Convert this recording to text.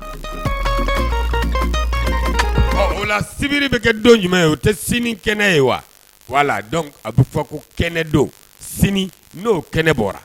O la sebiri bɛ kɛ don ɲuman ye o tɛ sini kɛnɛ ye wa wala a bɛ fɔ ko kɛnɛ don n'o kɛnɛ bɔra